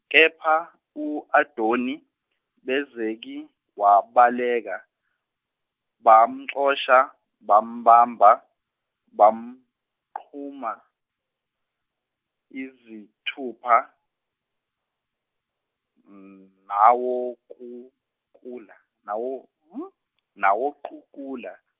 kepha u Adoni Bezeki wabaleka bamxosha bambamba bamnquma izithupha nawoqukula nawo nawoqukula.